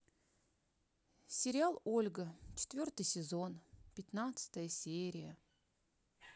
сериал ольга четвертый сезон пятнадцатая серия